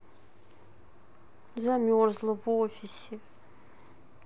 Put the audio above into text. замерзла в офисе